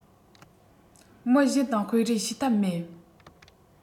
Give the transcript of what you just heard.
མི གཞན དང སྤེལ རེས བྱས ཐབས མེད